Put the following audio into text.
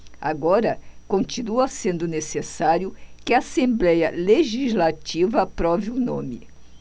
agora continua sendo necessário que a assembléia legislativa aprove o nome